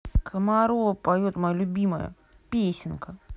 комарово поет мое любимое песенка